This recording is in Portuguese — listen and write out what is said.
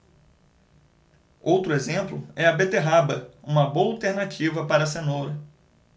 outro exemplo é a beterraba uma boa alternativa para a cenoura